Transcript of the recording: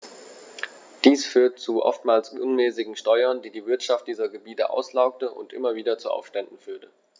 Dies führte zu oftmals unmäßigen Steuern, die die Wirtschaft dieser Gebiete auslaugte und immer wieder zu Aufständen führte.